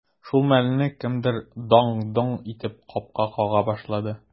Шул мәлне кемдер даң-доң итеп капка кага башлады.